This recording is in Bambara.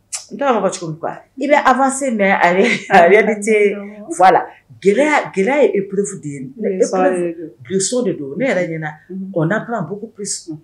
N dɔw cogo i bɛ afase mɛn a yɛrɛ fa la gɛlɛya gɛlɛya ye e ppurfu de ye biso de don ne yɛrɛ ɲɛna kɔnɔna tunbugu p